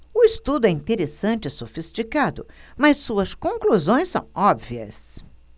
o estudo é interessante e sofisticado mas suas conclusões são óbvias